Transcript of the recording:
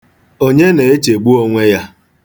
Onye na-echegbu onwe ya?